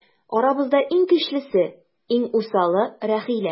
Арабызда иң көчлесе, иң усалы - Рәхилә.